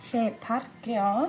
lle parcio.